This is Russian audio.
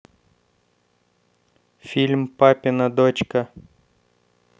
фильм папина дочка